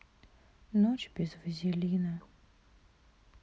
ночь без вазелина